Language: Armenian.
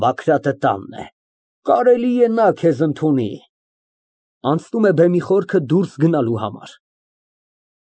Բագրատը տանն է, կարելի է նա քեզ ընդունի։ (Անցնում է բեմի խորքը դուրս գնալու համար)։